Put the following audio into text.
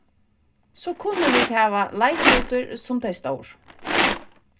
so kunnu vit hava leiklutir sum tey stóru